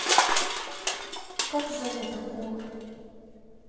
как живут акулы